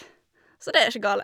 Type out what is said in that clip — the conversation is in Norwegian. Så det er ikke galt.